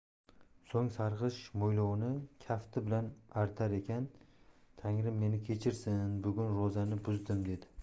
so'ng sarg'ish mo'ylovini kafti bilan artar ekan tangrim meni kechirsin bugun ro'zani buzdim dedi